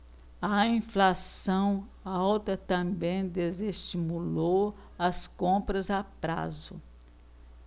a inflação alta também desestimulou as compras a prazo